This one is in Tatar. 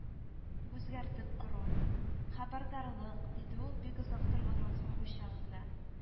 —үзгәртеп кору… хәбәрдарлык…—диде ул бик озак торганнан соң уйчан гына